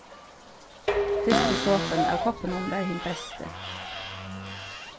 fyrsti sopin av koppinum var hin besti